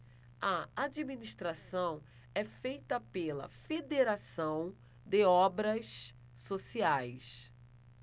a administração é feita pela fos federação de obras sociais